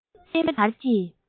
དངོས བདེན བར གྱི